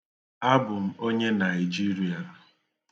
Abụ m onye Naịjiria.